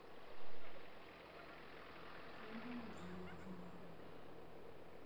фильм ведьмы